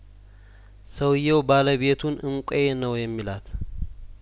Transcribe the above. ሰውዬው ባለቤቱን እንቋ ነው የሚላት